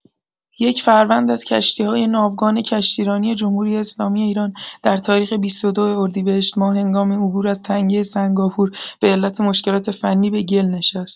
یک فروند از کشتی‌های ناوگان کشتیرانی جمهوری‌اسلامی ایران در تاریخ ۲۲ اردیبهشت‌ماه هنگام عبور از تنگه سنگاپور به‌علت مشکلات فنی به گل نشست.